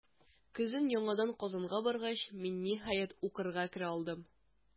Көзен яңадан Казанга баргач, мин, ниһаять, укырга керә алдым.